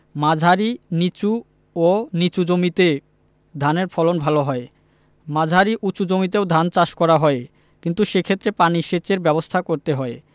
মাঝারি নিচু ও নিচু জমিতে ধানের ফলন ভালো হয় মাঝারি উচু জমিতেও ধান চাষ করা হয় কিন্তু সেক্ষেত্রে পানি সেচের ব্যাবস্থা করতে হয়